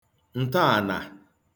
ǹtọànà